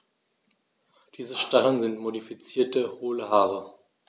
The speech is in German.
Diese Stacheln sind modifizierte, hohle Haare.